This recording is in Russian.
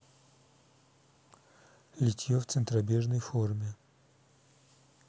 литье в центробежной форме